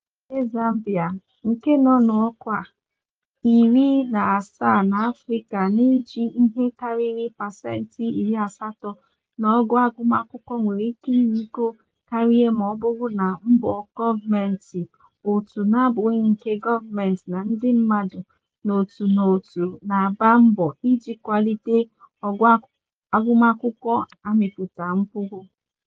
N'ezie Zambia, nke nọ n'ọkwa 17 n'Afrịka n'iji ihe karịrị pasentị 80 n'ogo agụmakwụkwọ nwere ike ịrịgo karịa maọbụrụ na mbọ gọọmentị, òtù na-abụghị nke gọọmentị na ndị mmadụ n'otu n'otu na-agba mbọ iji kwalite ogo agụmakwụkwọ amịpụta mkpụrụ.